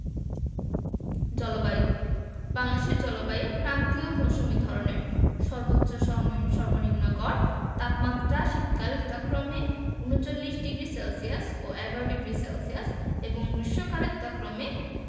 জলবায়ুঃ বাংলাদেশের জলবায়ু ক্রান্তীয় মৌসুমি ধরনের সর্বোচ্চ সর্বনিম্ন গড় তাপমাত্রা শীতকালে যথাক্রমে ৩৯ ডিগ্রি সেলসিয়াস ও ১১ডিগ্রি সেলসিয়াস এবং গ্রীষ্মকালে যথাক্রমে